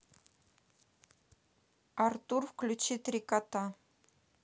артур включи три кота